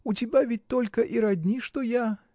У тебя ведь только и родни, что я.